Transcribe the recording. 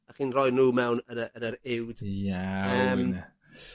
A chi'n roi nw mewn yn y yn yr uwd... Iawn. ...yym.